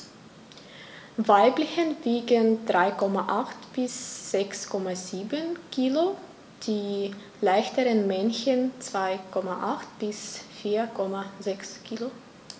Weibchen wiegen 3,8 bis 6,7 kg, die leichteren Männchen 2,8 bis 4,6 kg.